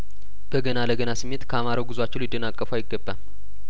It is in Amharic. በገናለገና ስሜት ካማረው ጉዟቸው ሊደናቀፉ አይገባም